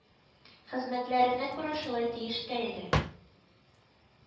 Хезмәтләренә күрә шулай тиеш тә иде